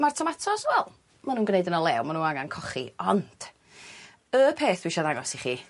a ma'r tomatos wel ma' nw'n gwneud yn o lew ma' n'w angan cochi. Ond y peth dwi isio ddangos i chi